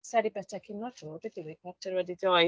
Sa i 'di byta cino 'to. Beth yw hi? Chwarter wedi dou.